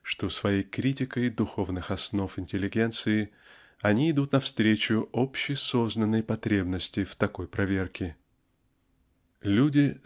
что своей критикой духовных основ интеллигенции они идут навстречу общесознанной потребности в такой проверке. Люди